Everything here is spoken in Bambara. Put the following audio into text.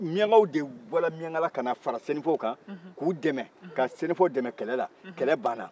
miyankaw de bɔra miyankala ka na fara sɛnɛfɔw kan k'u dɛmɛ ka sɛnɛfɔw dɛmɛ kɛlɛla kɛlɛ banna